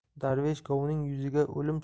darvesh govning yuziga o'lim